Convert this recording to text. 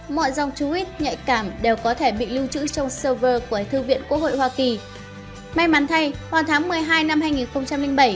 mọi dòng tweet nhạy cảm đều có thể bị lưu trữ trong server của thư viện quốc hội hoa kỳ may mắn thay vào tháng năm